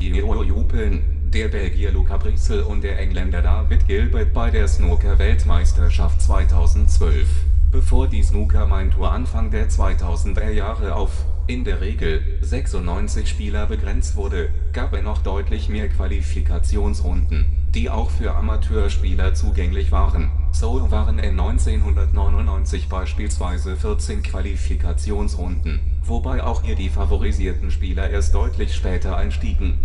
Cao Yupeng, der Belgier Luca Brecel und der Engländer David Gilbert bei der Snookerweltmeisterschaft 2012. Bevor die Snooker Main Tour Anfang der 2000er-Jahre auf (in der Regel) 96 Spieler begrenzt wurde, gab es noch deutlich mehr Qualifikationsrunden, die auch für Amateurspieler zugänglich waren. So waren es 1999 beispielsweise 14 Qualifikationsrunden, wobei auch hier die favorisierten Spieler erst deutlich später einstiegen